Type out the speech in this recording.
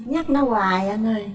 nhắc nó hoài anh ơi